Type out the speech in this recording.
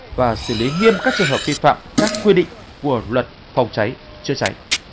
và xử lý nghiêm các trường hợp vi phạm các quy định của luật phòng cháy chữa cháy